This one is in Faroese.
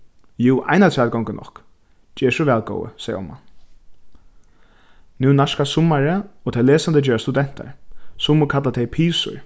jú ein afturat gongur nokk ger so væl góði segði omman nú nærkast summarið og tey lesandi gerast studentar summi kalla tey pisur